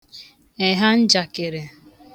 ẹ̀ha ǹjakị̀rị̀